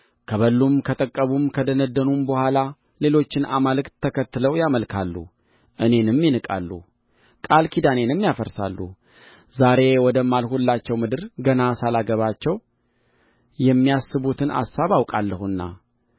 ከበሉም ከጠገቡም ከደነደኑም በኋላ ሌሎችን አማልክት ተከትለው ያመልካሉ እኔንም ይንቃሉ ቃል ኪዳኔንም ያፈርሳሉ ዛሬ ወደ ማልሁላቸው ምድር ገና ሳላገባቸው የሚያስቡትን አሳብ አውቃለሁና